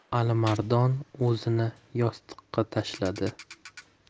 alimardon o'zini yostiqqa tashladi